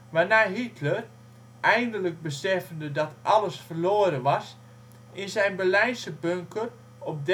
waarna Hitler, eindelijk beseffende dat alles verloren was, in zijn Berlijnse bunker op